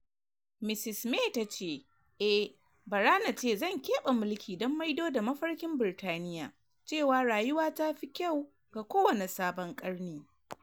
Mrs May tace: "A bara na ce zan keɓe mulki don maido da mafarkin Birtaniya - cewa rayuwa ta fi kyau ga kowane sabon ƙarni.